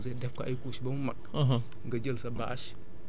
jël sa dóomu taal def arrosé def ko ay couches ba mu mag